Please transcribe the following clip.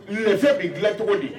Nɛgɛ bɛ dilan cogo di